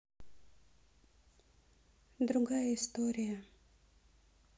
другая история